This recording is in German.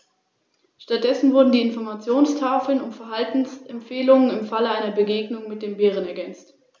Langfristig sollen wieder jene Zustände erreicht werden, wie sie vor dem Eintreffen des Menschen vor rund 5000 Jahren überall geherrscht haben.